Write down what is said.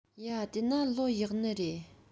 ཡ དེ ན ལོ ཡག ནི རེད